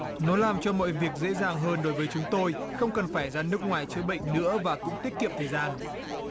nó làm cho mọi việc dễ dàng hơn đối với chúng tôi không cần phải ra nước ngoài chữa bệnh nữa và cũng tiết kiệm thời gian